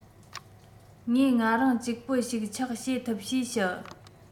ངས ང རང གཅིག པུ ཞིག ཆགས བྱེད ཐུབ ཞེས བཤད